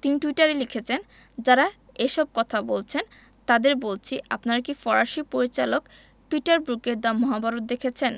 তিনি টুইটারে লিখেছেন যাঁরা এসব কথা বলছেন তাঁদের বলছি আপনারা কি ফরাসি পরিচালক পিটার ব্রুকের “দ্য মহাভারত” দেখেছেন